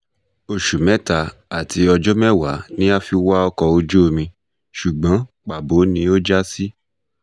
Oṣù mẹ́ta àti ọjọ́ mẹ́wàá ni a fi wá ọkọ mi, ṣùgbọ́n pàbó ni ó já sí ...